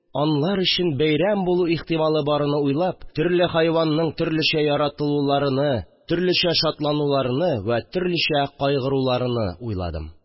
Анлар өчен бәйрәм булу ихтималы барыны уйлап, төрле хайванның төрлечә яратылуларыны, төрлечә шатлануларыны вә төрлечә кайгыруларыны уйладым